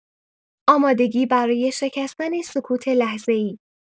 آمادگی برای شکستن سکوت لحظه‌ای